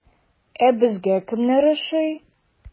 Ә безгә кемнәр ошый?